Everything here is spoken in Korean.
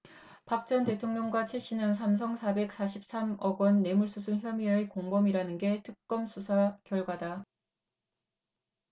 박 전 대통령과 최씨는 삼성 사백 삼십 삼 억원 뇌물수수 혐의의 공범이라는 게 특검 수사 결과다